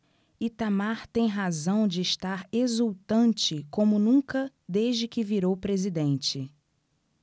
itamar tem razão de estar exultante como nunca desde que virou presidente